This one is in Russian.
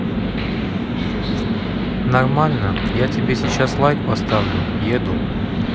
нормально я тебе сейчас лайк поставлю еду